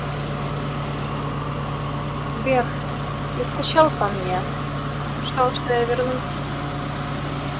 сбер ты скучал по мне ждал что я вернусь